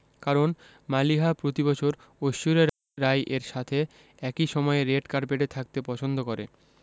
কারণ মালিহা প্রতিবছর ঐশ্বরিয়া রাই এর সাথে একই সময়ে রেড কার্পেটে থাকতে পছন্দ করে